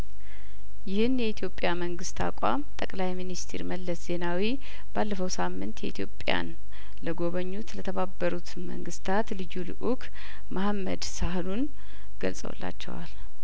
ይህን የኢትዮጵያ መንግስት አቋም ጠቅላይ ሚኒስትር መለስ ዜናዊ ባለፈው ሳምንት ኢትዮጵያን ለጐበኙት ለተባበሩት መንግስታት ልዩ ልኡክ መሀመድ ሳህኑን ገልጸውላቸዋል